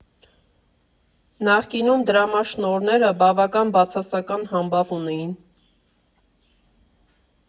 «Նախկինում դրամաշնորհները բավական բացասական համբավ ունեին.